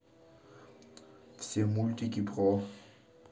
все мультики про